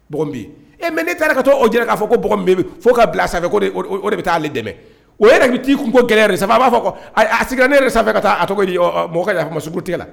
E mɛ ne taara ka taa o jɛra k'a fɔ ko bɛ fo ka bila de bɛ taa ale dɛmɛ o yɛrɛ bɛ'i kun ko gɛlɛɛrɛ saba b'a fɔ a ne yɛrɛ sanfɛ ka taa a cogo di mɔgɔ sugu tɛ la